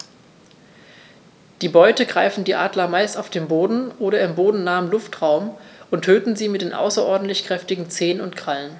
Die Beute greifen die Adler meist auf dem Boden oder im bodennahen Luftraum und töten sie mit den außerordentlich kräftigen Zehen und Krallen.